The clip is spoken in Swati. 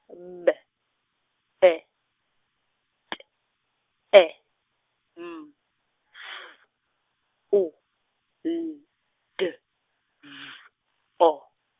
B E T E M F U N D V O.